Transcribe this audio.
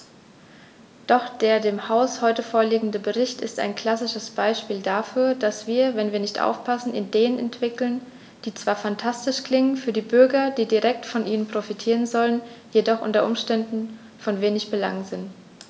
Doch der dem Haus heute vorliegende Bericht ist ein klassisches Beispiel dafür, dass wir, wenn wir nicht aufpassen, Ideen entwickeln, die zwar phantastisch klingen, für die Bürger, die direkt von ihnen profitieren sollen, jedoch u. U. von wenig Belang sind.